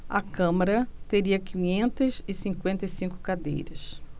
a câmara teria quinhentas e cinquenta e cinco cadeiras